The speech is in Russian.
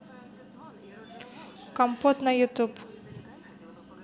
компот на ютюб